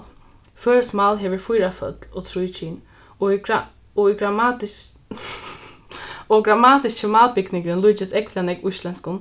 føroyskt mál hevur fýra føll og trý kyn og í og í og grammatiski málbygningurin líkist ógvuliga nógv íslendskum